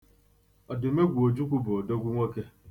Odimegwu Ojukwu bụ odogwu nwoke.